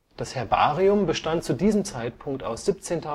Das Herbarium bestand zu diesem Zeitpunkt aus 17.500